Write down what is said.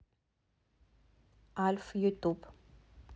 альф ютуб